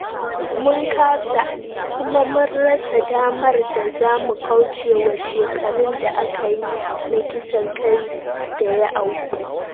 Mun kasa, kuma mun rasa damar da za mu kauce wa shekarun da aka yi na kisan kai da ya auku.